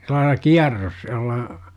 sillä lailla kierros jolla